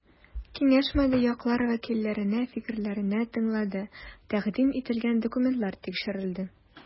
Киңәшмәдә яклар вәкилләренең фикерләре тыңланды, тәкъдим ителгән документлар тикшерелде.